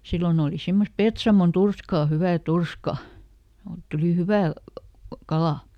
silloin oli semmoista Petsamon turskaa hyvää turskaa oot tuli hyvä kala